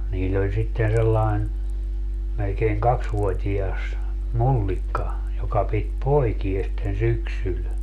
niillä oli sitten sellainen melkein kaksivuotias mullikka joka piti poikia sitten syksyllä